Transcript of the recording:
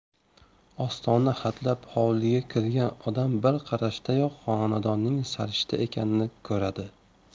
ostona hatlab hovliga kirgan odam bir qarashdayoq xonadonning sarishta ekanini ko'radi